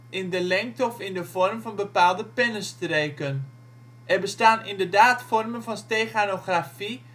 in de lengte of in de vorm van bepaalde pennenstreken. Er bestaan inderdaad vormen van steganografie